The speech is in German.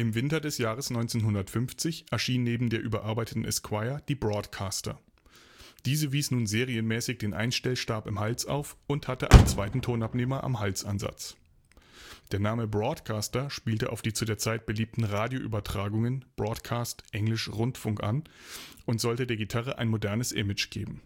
Winter des Jahres 1950 erschien neben der überarbeiteten Esquire die Broadcaster. Diese wies nun serienmäßig den Einstellstab im Hals auf und hatte einen zweiten Tonabnehmer am Halsansatz. Der Name „ Broadcaster “spielte auf die zu der Zeit beliebten Radioübertragungen (Broadcast engl. Rundfunk) an und sollte der Gitarre ein modernes Image geben